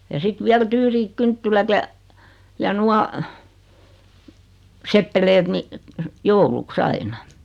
ja sitten vielä tyyriit kynttilät ja ja nuo seppeleet niin jouluksi aina